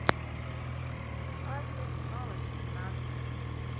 папе снова семнадцать